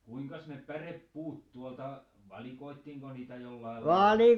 kuinkas ne pärepuut tuolta valikoitiinko niitä jollakin lailla